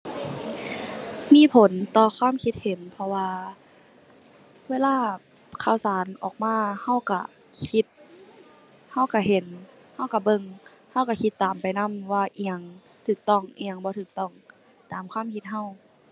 มีผลต่อความคิดเห็น เพราะว่าเวลาข่าวสารออกมาเราเราคิด เราเราเห็น เราเราเบิ่ง เราเราคิดตามไปนำว่าอิหยังเราต้อง อิหยังบ่เราต้องตามความคิดเรา